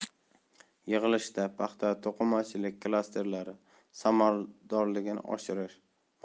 yig'ilishda paxta to'qimachilik klasterlari samaradorligini